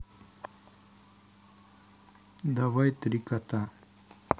давай три кота